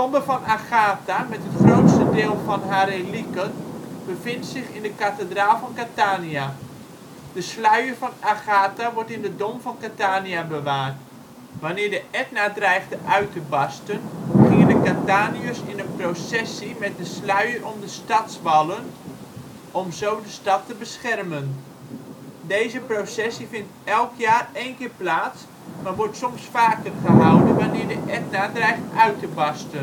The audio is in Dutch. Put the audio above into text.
De tombe van Agatha met het grootste deel van haar relieken bevindt zich in de kathedraal van Catania. De sluier van Agatha wordt in de Dom van Catania bewaard. Wanneer de Etna dreigde uit te barsten, gingen de Cataniërs in een processie met de sluier om de stadswallen om zo de stad te beschermen. Deze processie vindt elk jaar één keer plaats, maar wordt soms vaker gehouden wanneer de Etna dreigt uit te barsten. Men